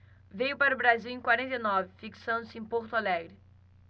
veio para o brasil em quarenta e nove fixando-se em porto alegre